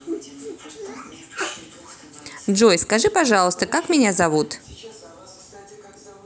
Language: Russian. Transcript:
джой скажи пожалуйста как меня зовут